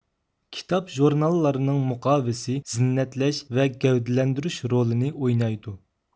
كىتاب ژۇرناللارنىڭ مۇقاۋىسى زىننەتلەش ۋە گەۋدىلەندۈرۈش رولىنى ئوينايدۇ